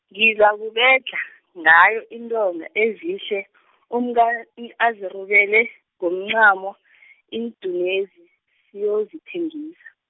ngizakubedlha, ngawo iintonga ezihle , umkayo i- azirubele, ngomncamo iindunwezi, siyozithengisa.